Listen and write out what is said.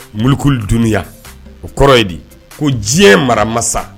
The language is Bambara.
Mokuludunya o kɔrɔ ye di ko diɲɛ maramasa sa